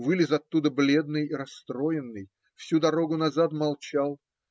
Вылез оттуда бледный и расстроенный; всю дорогу назад молчал.